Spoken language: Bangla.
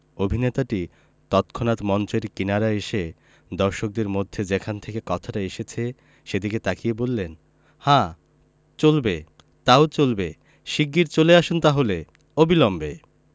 অভিনেতাটি তৎক্ষনাত মঞ্চের কিনারে এসে দর্শকদের মধ্যে যেখান থেকে কথাটা এসেছে সেদিকে তাকিয়ে বললেন হ্যাঁ চলবে তাও চলবে শিগগির চলে আসুন তাহলে অবিলম্বে